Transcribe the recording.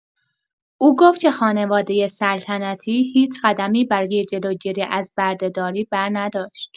او گفت که خانواده سلطنتی هیچ قدمی برای جلوگیری از برده‌داری برنداشت.